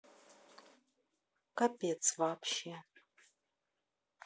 капец вообще